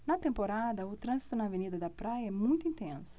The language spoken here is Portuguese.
na temporada o trânsito na avenida da praia é muito intenso